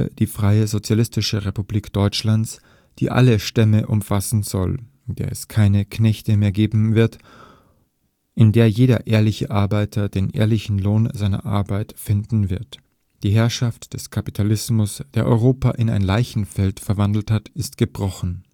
die freie sozialistische Republik Deutschland, die alle Stämme umfassen soll. In der es keine Knechte mehr geben wird, in der jeder ehrliche Arbeiter den ehrlichen Lohn seiner Arbeit finden wird. Die Herrschaft des Kapitalismus, der Europa in ein Leichenfeld verwandelt hat, ist gebrochen